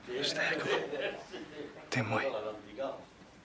Mistêc o'dd o, dim mwy.